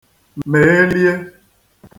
mèghilīē